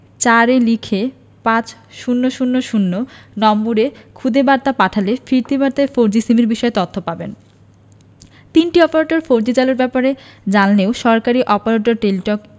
৪ এ লিখে পাঁচ শূণ্য শূণ্য শূণ্য নম্বরে খুদে বার্তা পাঠালে ফিরতি বার্তায় ফোরজি সিমের বিষয়ে তথ্য পাবেন তিনটি অপারেটর ফোরজি চালুর ব্যাপারে জানালেও সরকারি অপারেটর টেলিটক